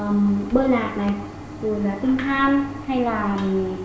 bơ lạc này dù là tinh than hay là